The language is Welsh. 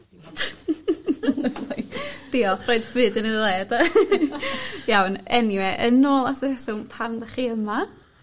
Diolch rhoid fyd yn 'i le 'de? Iawn eniwe yn ôl at y reswm pam 'dach chi yma.